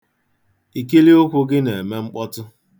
Ikilụkwụ gị na-eme mkpọtụ.